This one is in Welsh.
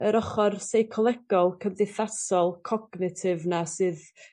yr ochor seicolegol cymdeithasol cognatif 'na sydd